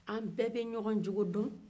an bɛɛ bɛ ɲɔgɔn jogo dɔn